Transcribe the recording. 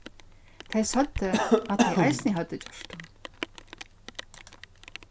tey søgdu at tey eisini høvdu gjørt tað